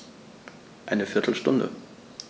Eine viertel Stunde